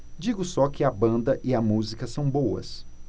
digo só que a banda e a música são boas